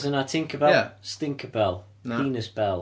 Oes 'na Tinkerbell... Ie. ...Stinkerbell... Na. ...Penisbell.